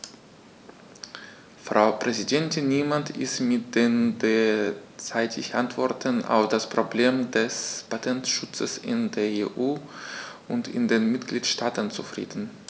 Frau Präsidentin, niemand ist mit den derzeitigen Antworten auf das Problem des Patentschutzes in der EU und in den Mitgliedstaaten zufrieden.